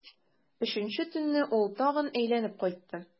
Өченче төнне ул тагын әйләнеп кайтты.